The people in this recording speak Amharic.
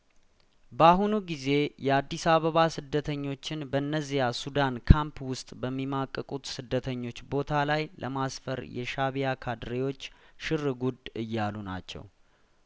በአሁኑ ጊዜ የአዲስ አበባ ስደተኞችን በእነዚያሱዳን ካምፕ ውስጥ በሚማቅቁት ስደተኞች ቦታ ላይ ለማስፈር የሻእቢያካድሬዎች ሽር ጉድ እያሉ ናቸው